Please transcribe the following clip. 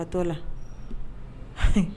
A ka t la